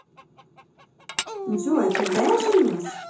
джой когда я женюсь